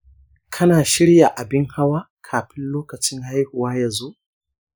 kana shirya abin hawa kafin lokacin haihuwa ya zo?